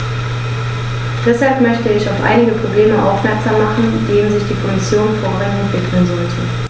Deshalb möchte ich auf einige Probleme aufmerksam machen, denen sich die Kommission vorrangig widmen sollte.